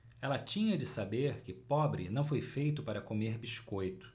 ela tinha de saber que pobre não foi feito para comer biscoito